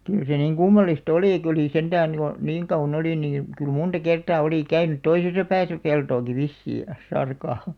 kyllä se niin kummallista oli kun oli sentään jo niin kauan oli niin kyllä monta kertaa oli käynyt toisessa päässä peltoakin vissiin ja sarka